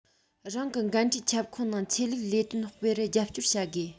རང གི འགན འཁྲིའི ཁྱབ ཁོངས ནང ཆོས ལུགས ལས དོན སྤེལ བར རྒྱབ སྐྱོར བྱ དགོས